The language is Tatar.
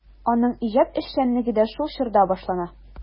Аның иҗат эшчәнлеге дә шул чорда башлана.